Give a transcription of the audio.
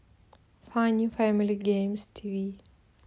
фанни фемели геймс тиви